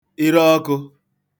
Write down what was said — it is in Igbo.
ireọkụ̄